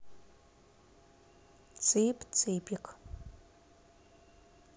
цып цыпик